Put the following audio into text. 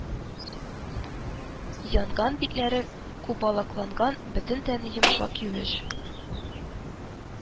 Янган, битләре кубалакланган, бөтен тәне йомшак, юеш